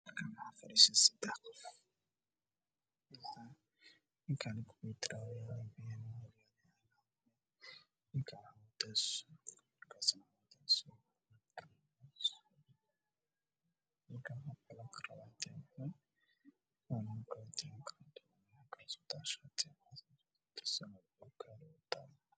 Waa hool waxaa fadhiya niman waxay wataan suudaan ah kura n oranje ayaa ku fadhiyaan